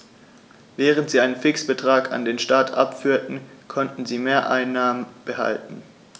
Während sie einen Fixbetrag an den Staat abführten, konnten sie Mehreinnahmen behalten.